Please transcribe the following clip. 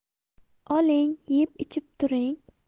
oling yeb ichib turing